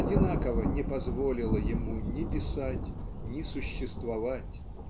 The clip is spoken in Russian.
одинаково не позволила ему ни писать ни существовать.